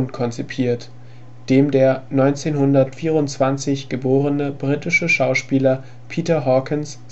konzipiert, dem der 1924 geborene, britische Schauspieler Peter Hawkins